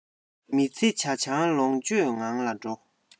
མི ཚེ ཇ ཆང ལོངས སྤྱོད ངང ལ འགྲོ